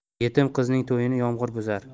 yetim qizning to'yini yomg'ir buzar